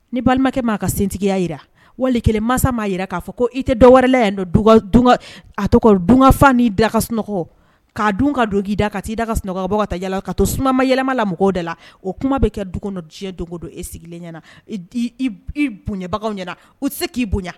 Ni balimakɛ maaa ka sentigiya jira wali kelen masa ma jira k'a fɔ ko i tɛ dɔw wɛrɛla a tɔgɔganfa nii da ka sunɔgɔ ka dun ka don'i da ka t'i da ka sunɔgɔbɔ ka taa ka to sumama yɛlɛmala mɔgɔw de la o kuma bɛ kɛ du dɔ diɲɛ dogo don e sigilen ɲɛna i bonyabagaw ɲɛna u tɛ se k'i bonya